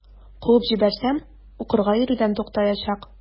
Куып җибәрсәм, укырга йөрүдән туктаячак.